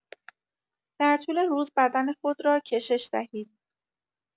در طول روز بدن خود را کشش دهید.